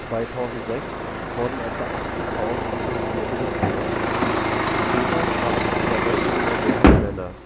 2006 wurden etwa 80.000 Inhaftierte gezählt. Die Täter waren mit überwältigender Mehrheit Männer.